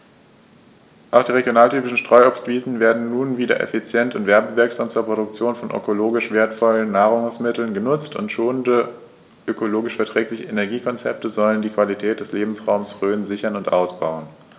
Auch die regionaltypischen Streuobstwiesen werden nun wieder effizient und werbewirksam zur Produktion von ökologisch wertvollen Nahrungsmitteln genutzt, und schonende, ökologisch verträgliche Energiekonzepte sollen die Qualität des Lebensraumes Rhön sichern und ausbauen.